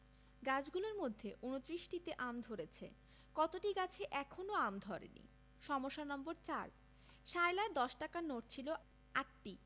গাছগুলোর মধ্যে ২৯টিতে আম ধরেছে কতটি গাছে এখনও আম ধরেনি সমস্যা নম্বর ৪ সায়লার দশ টাকার নোট ছিল ৮টি